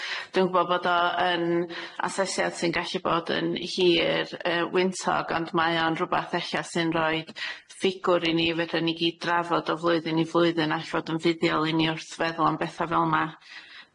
Dwi'n gwbo bod o yn asesiad sy'n gallu bod yn hir yy wyntog ond mae o'n rwbath ella sy'n roid ffigwr i ni fedra ni, gyd drafod o flwyddyn i flwyddyn all fod yn fudiol i ni wrth feddwl am betha fel na.